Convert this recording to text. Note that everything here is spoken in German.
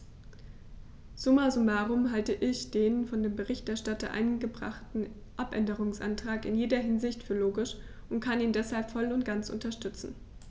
Summa summarum halte ich den von dem Berichterstatter eingebrachten Abänderungsantrag in jeder Hinsicht für logisch und kann ihn deshalb voll und ganz unterstützen.